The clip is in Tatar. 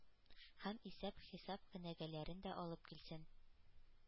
Һәм: «исәп-хисап кенәгәләрен дә алып килсен»,